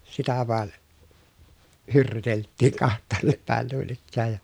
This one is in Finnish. sitä vain hyrryyteltiin kahtaanne päin noin ikään ja